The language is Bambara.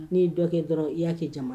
Ni ye dɔ kɛ dɔrɔn i ya kɛ jama